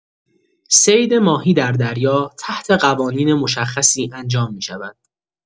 صید ماهی در دریا تحت قوانین مشخصی انجام می‌شود.